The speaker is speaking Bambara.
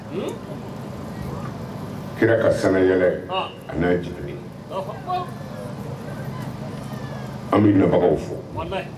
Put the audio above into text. Kira ka sɛnɛy n'a ye jigi ye an bɛbagaw fɔ